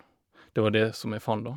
Det var det som jeg fant, da.